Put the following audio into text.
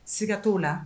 Siga t' la